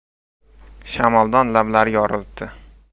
shamoldan lablari yorilibdi